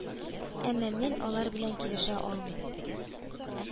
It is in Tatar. Әмма мин алар белән килешә алмыйм